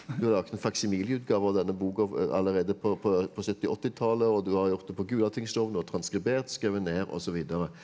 du har laget en faksimileutgave av denne boka allerede på på på 70 åttitallet og du har gjort det på Gulatingsloven, du har transkribert, skrevet ned og så videre.